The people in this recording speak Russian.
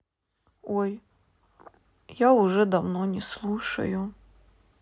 ой я уже давно не слушаю